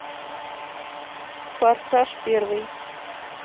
форсаж первый